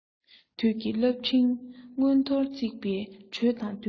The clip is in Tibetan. དུས ཀྱི རླབས ཕྲེང མངོན མཐོར བརྩེགས པའི འགྲོས དང བསྟུན ནས